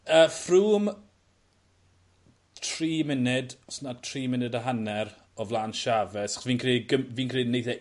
Yy Froome tri munud os nad tri munud a hanner o flan Chaves achos fi'n credu gym- fi'n credu neith e